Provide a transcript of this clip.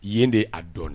Yen de y'a dɔn